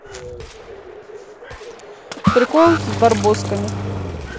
прикол с барбосками